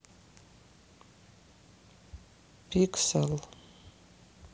pixel